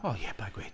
O ie, paid gweud.